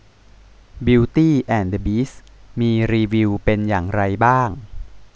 บิวตี้แอนด์เดอะบีสต์มีรีวิวเป็นอย่างไรบ้าง